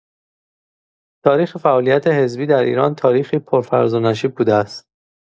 تاریخ فعالیت حزبی در ایران، تاریخی پرفراز و نشیب بوده است.